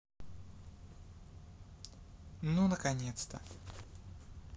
ну наконец то